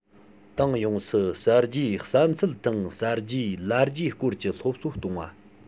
ཏང ཡོངས སུ གསར བརྗེའི བསམ ཚུལ དང གསར བརྗེའི ལ རྒྱའི སྐོར གྱི སློབ གསོ གཏོང བ